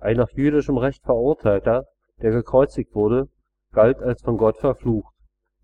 Ein nach jüdischem Recht Verurteilter, der gekreuzigt wurde, galt als von Gott verflucht.